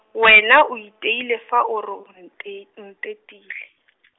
wena o ipeile fa o re o nte-, o ntetile .